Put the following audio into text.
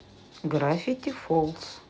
гравити фолс